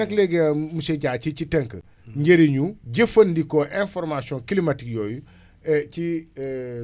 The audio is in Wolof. njëriñu jëfandikoo information climatique yooyu ci góob bi maanaam récolte bi ak post récolte